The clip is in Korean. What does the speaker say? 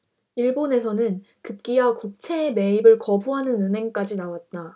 일본에서는 급기야 국채의 매입을 거부하는 은행까지 나왔다